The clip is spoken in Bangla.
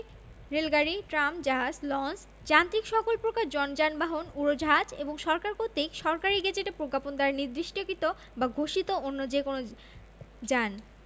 রেলগাড়ী ট্রাম জাহাজ লঞ্চ যান্ত্রিক সকল প্রকার জন যানবাহন উড়োজাহাজ এবং সরকার কর্তৃক সরকারী গেজেটে প্রজ্ঞাপন দ্বারা নির্দিষ্টকৃত বা ঘোষিত অন্য যে কোন যান